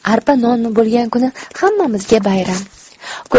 arpa nonmi bo'lgan kuni hammamizga bayram